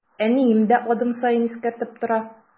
Әнием дә адым саен искәртеп тора.